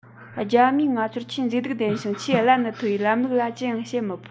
རྒྱ མིས ང ཚོར ཆེས མཛེས སྡུག ལྡན ཞིང ཆེས བླ ན མཐོ བའི ལམ ལུགས ལ ཅི ཡང བྱེད མི ཕོད